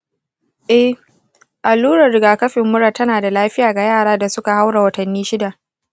eh, allurar rigakafin mura tana da lafiya ga yara da suka haura watanni shida.